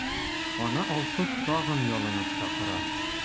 Аны Алсу тагын ялынып чакыра.